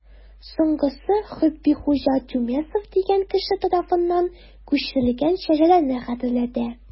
Соңгысы Хөббихуҗа Тюмесев дигән кеше тарафыннан күчерелгән шәҗәрәне хәтерләтә.